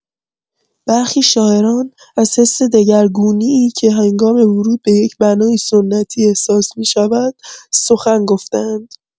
برخی شاعران، از حس دگرگونی‌ای که هنگام ورود به یک بنای سنتی احساس می‌شود، سخن گفته‌اند.